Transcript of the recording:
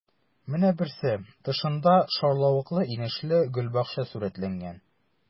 Менә берсе: тышында шарлавыклы-инешле гөлбакча сурәтләнгән.